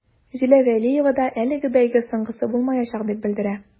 Зилә вәлиева да әлеге бәйге соңгысы булмаячак дип белдерә.